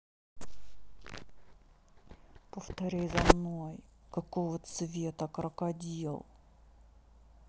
повторяй за мной какого цвета крокодил